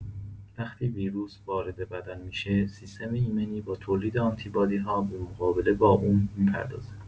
وقتی ویروس وارد بدن می‌شه، سیستم ایمنی با تولید آنتی‌بادی‌ها به مقابله با اون می‌پردازه.